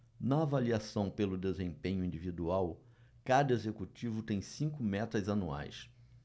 na avaliação pelo desempenho individual cada executivo tem cinco metas anuais